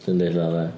Dwi'n deud llaw dde.